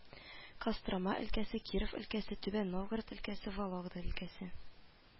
Кострома өлкәсе, Киров өлкәсе, Түбән Новгород өлкәсе, Вологда өлкәсе